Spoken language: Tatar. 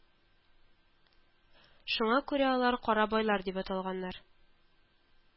Шуңа күрә алар кара байлар дип аталганнар